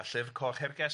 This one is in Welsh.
a Llyfr Coch Herges.